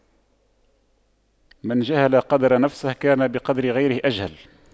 من جهل قدر نفسه كان بقدر غيره أجهل